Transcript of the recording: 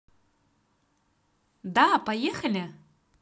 да поехали